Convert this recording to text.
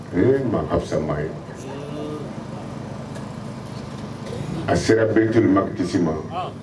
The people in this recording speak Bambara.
Ee maa ka fisa maa ye. A sera ma